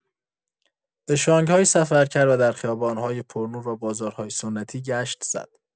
به شانگهای سفر کرد و در خیابان‌های پرنور و بازارهای سنتی گشت زد.